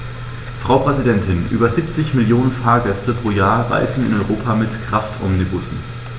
Frau Präsidentin, über 70 Millionen Fahrgäste pro Jahr reisen in Europa mit Kraftomnibussen.